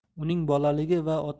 uning bolaligi va ota